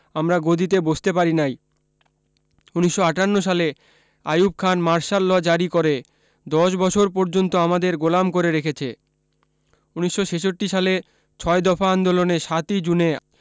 আমরা গদিতে বসতে পারি নাই ১৯৫৮ সালে আইয়ুব খান মার্শাল ল্ জারি করে ১০ বছর পর্যন্ত আমাদের গোলাম করে রেখেছে ১৯৬৬ সালে ছয় দফা আন্দোলনে ৭ই জুনে